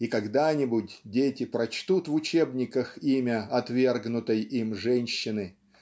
и когда-нибудь дети прочтут в учебниках имя отвергнутой им женщины